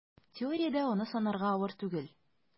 Теориядә аны санарга авыр түгел: